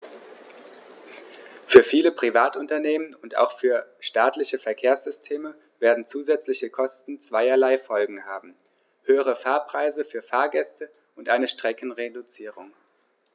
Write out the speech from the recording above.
Für viele Privatunternehmen und auch für staatliche Verkehrssysteme werden zusätzliche Kosten zweierlei Folgen haben: höhere Fahrpreise für Fahrgäste und eine Streckenreduzierung.